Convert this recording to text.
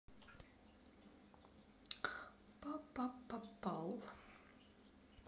папа попал